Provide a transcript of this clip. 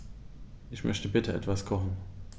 Ich möchte bitte etwas kochen.